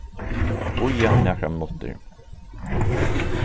bíða í nakrar minuttir